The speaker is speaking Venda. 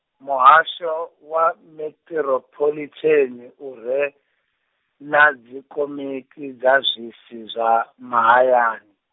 muhasho wa meṱirophoḽitheni u re, na dzikomiti dza zwisi zwa mahayani.